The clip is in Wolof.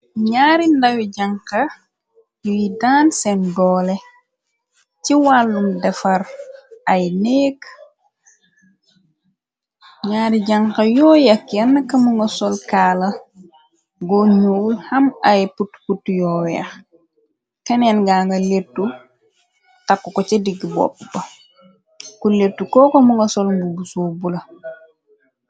Naari ndawi janxa yuy daan seen doole, ci wàllum defar ay néek. Naari janxa yoo yak yenn ka mu nga sol kaala bu nuul xam ay put-put yooweex, keneen ga nga lettu takku ko ca digg boppa ba, ku lettu koo ko mu nga sol mbubu soobbulo.